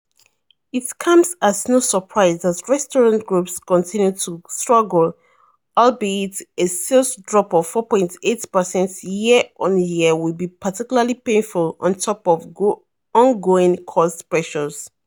It comes as no surprise that restaurant groups continue to struggle, albeit a sales drop of 4.8 per cent year-on-year will be particularly painful on top of ongoing cost pressures.